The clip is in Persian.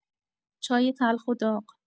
چای تلخ و داغ